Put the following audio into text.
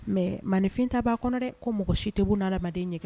Mɛ maninfin ta b'a kɔn kɔnɔɛ dɛɛ ko mɔgɔ si tɛbu na mande ɲɛɛrɛ